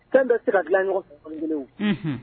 Fɛn bɛ se bila ɲɔgɔn kelen